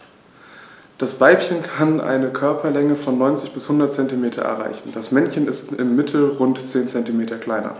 Das Weibchen kann eine Körperlänge von 90-100 cm erreichen; das Männchen ist im Mittel rund 10 cm kleiner.